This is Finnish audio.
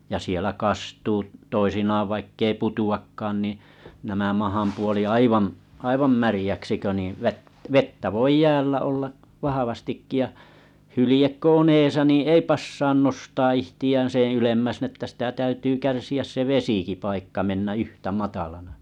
ja siellä kastuu toisinaan vaikka ei putoakaan niin nämä mahanpuoli aivan aivan märäksi kun niin - vettä voi jäällä olla vahvastikin ja hylje kun on edessä niin ei passaa nostaa itseään sen ylemmäksi niin että sitä täytyy kärsiä se vesipaikka mennä yhtä matalana